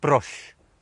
brwsh